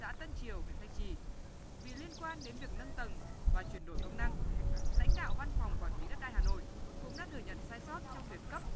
xã tân triều huyện thanh trì vì liên quan đến việc nâng tầng và chuyển đổi công năng lãnh đạo văn phòng quản lý đất đai hà nội cũng đã thừa nhận sai sót trong việc cấp